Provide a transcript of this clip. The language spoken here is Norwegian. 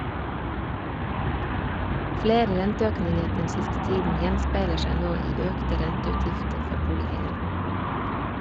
Flere renteøkninger den siste tiden gjenspeiler seg nå i økte renteutgifter for boligeiere.